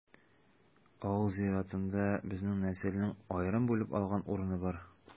Авыл зиратында безнең нәселнең аерым бүлеп алган урыны бар.